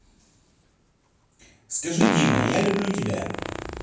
скажи дима я люблю тебя